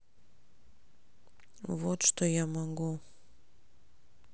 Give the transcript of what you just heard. вот что я могу